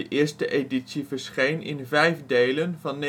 eerste editie verscheen in vijf delen van